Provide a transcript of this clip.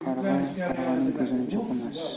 qarg'a qarg'aning ko'zini cho'qimas